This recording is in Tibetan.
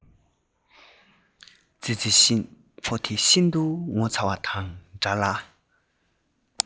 ཙི ཙི ཕོ དེ ཤིན ཏུ ངོ ཚ བ དང འདྲ ལ